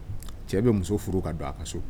Cɛ bɛ muso furu ka don a ka so